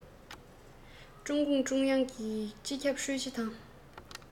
ཀྲུང གུང ཀྲུང དབྱང གི སྤྱི ཁྱབ ཧྲུའུ ཅི དང